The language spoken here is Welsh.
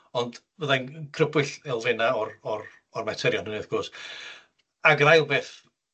Ond fydda i'n crybwyll elfennau o'r o'r o'r materion hynny wrth gwrs ag yn ail beth